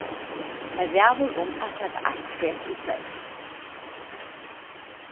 tað ræður um at taka eitt fet í senn